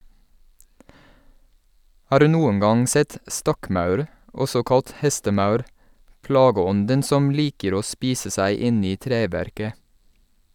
Har du noen gang sett stokkmaur, også kalt hestemaur, plageånden som liker å spise seg inn i treverket?